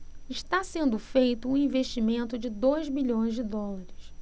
está sendo feito um investimento de dois bilhões de dólares